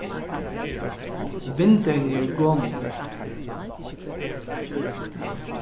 vindeyguni eru gomul